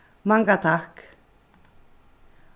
manga takk